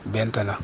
Bɛn t'a la